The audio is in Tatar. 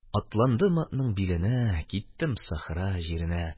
Атландым атның биленә, Киттем сахра җиренә...